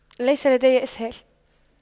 ليس لدي اسهال